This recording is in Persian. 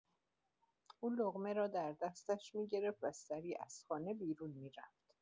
او لقمه را در دستش می‌گرفت و سریع از خانه بیرون می‌رفت.